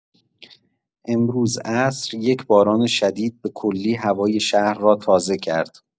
امروز عصر، یک باران شدید به‌کلی هوای شهر را تازه کرد.